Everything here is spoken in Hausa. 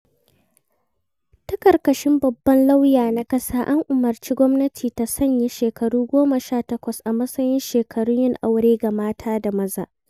Ta ƙarƙashin babban lauya na ƙasa, an umarci gwamnati ta sanya shekaru 18 a matsayin shekarun yin aure ga mata da maza.